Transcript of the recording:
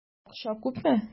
Акча күпме?